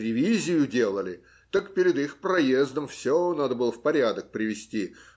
ревизию делали, так перед их проездом все надо было в порядок привести.